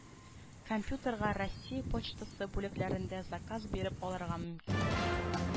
Компьютерга Россия почтасы бүлекчәләрендә заказ биреп алырга мөмкин